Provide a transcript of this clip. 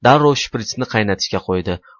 darrov shpritsni qaynatishga qo'ydi